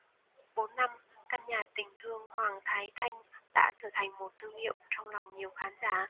bốn năm căn nhà tình thương hoàng thái thanh đã trở thành một thương hiệu trong lòng nhiều khán giả